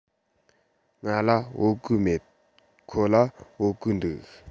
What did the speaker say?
ང ལ བོད གོས མེད ཁོ ལ བོད གོས འདུག